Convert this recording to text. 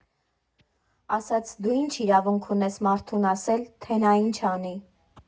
Ասաց՝ «դու ի՞նչ իրավունք ունես մարդուն ասել, թե նա ինչ անի»։